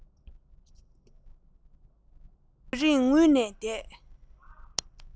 ཡུན རིང ངུས ནས བསྡད